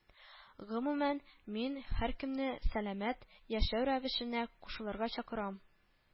Гомумән, мин һәркемне сәламәт яшәү рәвешенә кушылырга чакырам